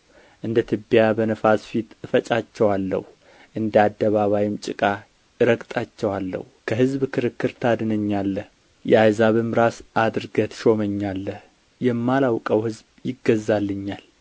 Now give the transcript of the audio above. እንደ ትቢያ በነፋስ ፊት እፈጫቸዋለሁ እንደ አደባባይም ጭቃ እረግጣቸዋለሁ ከሕዝብ ክርክር ታድነኛለህ የአሕዛብም ራስ አድርገህ ትሾመኛለህ የማላውቀው ሕዝብም ይገዛልኛል